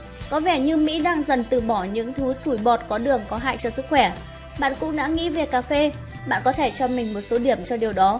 có vẻ như mỹ đang dần từ bỏ những thứ sủi bọt có đường có hại cho sức khỏe bạn cũng đã nghĩ về cà phê bạn có thể cho mình một số điểm cho điều đó